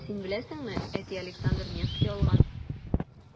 Ә син беләсеңме, әти Александр Невский алган.